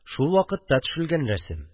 Шул вакытта төшелгән рәсем